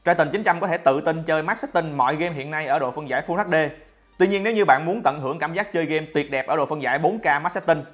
triton có thể tự tin chơi max setting mọi game hiện nay ở độ phân giải full hd tuy nhiên nếu như bạn muốn tận hưởng cảm giác chơi game tuyệt đẹp ở độ phân giải k max setting